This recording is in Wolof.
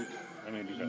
amee différence